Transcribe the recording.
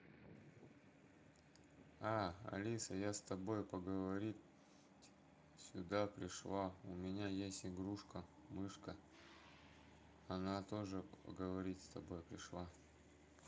а алиса я с тобой поговорить сюда пришла у меня есть игрушка мышка она тоже поговорить с тобой пришла